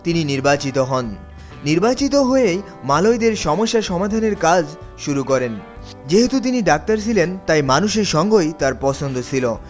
তিনি নির্বাচিত হন নির্বাচিত হয়েই মালয়দের় সমস্যা সমাধানের কাজ শুরু করেন যেহেতু তিনি ডাক্তার ছিলেন তাই মানুষের সঙ্গই তার পছন্দ ছিল